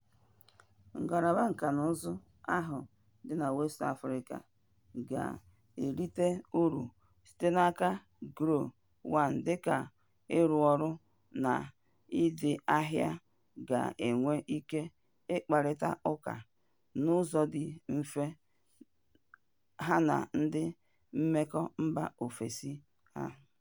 Ngalaba nkànaụzụ ahụ dị na West Africa ga-erite ụrụ site n'aka Glo-1 dịka ụlọọrụ na ndịahịa ga-enwe ike ịkparịta ụka n'ụzọ dị mfe ha na ndị mmekọ mba ofesi ha.